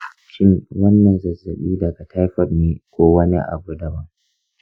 shin wannan zazzabi daga taifoid ne ko wani abu daban?